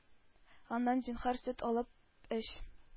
Аннан: “Зинһар, сөт алып эч,